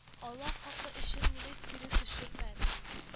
Аллаһ хакы өчен мине кире төшермә,— ди